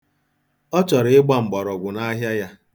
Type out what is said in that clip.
Ọ chọrọ ịgba mkpọrọgwụ n'ahịa ya.